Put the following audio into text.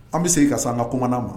An bɛ segin ka san an kak ma